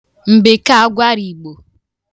m̀bekeēagwarigbò